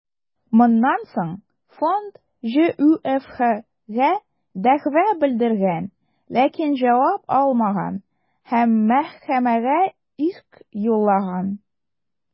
Моннан соң фонд ҖҮФХгә дәгъва белдергән, ләкин җавап алмаган һәм мәхкәмәгә иск юллаган.